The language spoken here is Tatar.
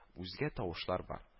Үзгә тавышлар бар